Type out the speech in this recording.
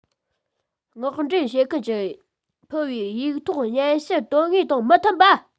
མངགས འདྲེན བྱེད མཁན གྱིས ཕུལ བའི ཡིག ཐོག སྙན ཞུ དོན དངོས དང མི མཐུན པ